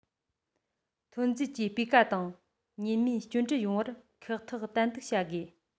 ཐོན རྫས ཀྱི སྤུས ཀ དང ཉེན མེད སྐྱོན བྲལ ཡོང བར ཁག ཐེག ཏན ཏིག བྱ དགོས